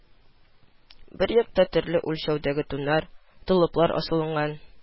Бер якта төрле үлчәүдәге туннар, толыплар асылынган